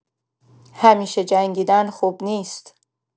همیشه جنگیدن خوب نیست!